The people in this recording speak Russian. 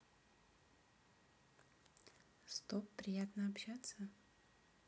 стоп приятно общаться